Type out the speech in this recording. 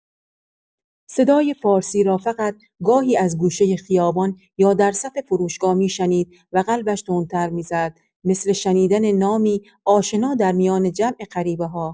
صدای فارسی را فقط گاهی از گوشۀ خیابان یا در صف فروشگاه می‌شنید و قلبش تندتر می‌زد، مثل شنیدن نامی آشنا در میان جمع غریبه‌ها.